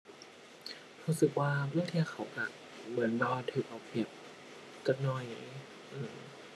รู้สึกว่าลางเที่ยเขารู้เหมือนแบบว่ารู้เอาเปรียบจักหน่อย อือ